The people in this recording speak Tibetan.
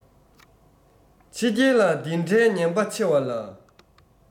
ཕྱི རྒྱལ ལ འདི གྲའི ཉན པ ཆེ བ ལ